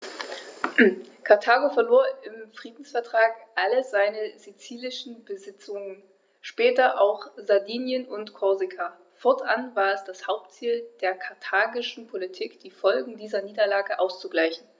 Karthago verlor im Friedensvertrag alle seine sizilischen Besitzungen (später auch Sardinien und Korsika); fortan war es das Hauptziel der karthagischen Politik, die Folgen dieser Niederlage auszugleichen.